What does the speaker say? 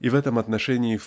И в этом отношении